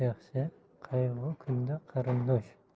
yaxshi qayg'u kunda qarindosh